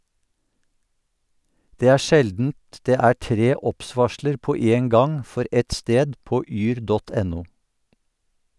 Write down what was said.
Det er sjeldent det er tre obs-varsler på én gang for ett sted på yr.no.